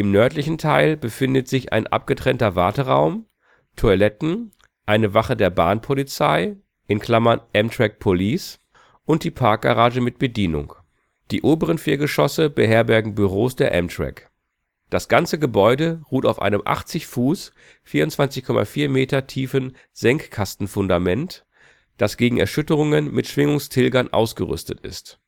nördlichen Teil befindet sich ein abgetrennter Warteraum, Toiletten, eine Wache der Bahnpolizei (Amtrak Police) und die Parkgarage mit Bedienung. Die oberen vier Geschosse beherbergen Büros der Amtrak. Das ganze Gebäude ruht auf einem 80 Fuß (24,4 Meter) tiefen Senkkastenfundament, das gegen Erschütterungen mit Schwingungstilgern ausgerüstet ist